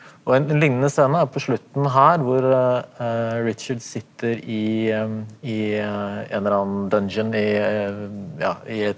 og en en lignende scene er jo på slutten her hvor Richard sitter i i en eller annen i ja i et.